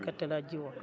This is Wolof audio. gerte laa jiwoon